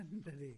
Yndydi?